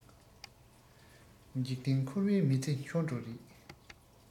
འཇིག རྟེན འཁོར བའི མི ཚེ འཁྱོལ འགྲོ རེད